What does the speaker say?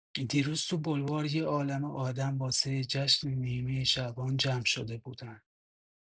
دیروز تو بلوار یه عالمه آدم واسه جشن نیمه شعبان جمع شده بودن.